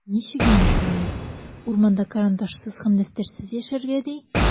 Ничек инде шулай, урманда карандашсыз һәм дәфтәрсез яшәргә, ди?!